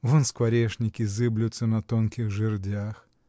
вон скворечники зыблются на тонких жердях